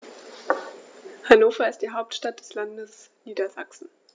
Hannover ist die Hauptstadt des Landes Niedersachsen.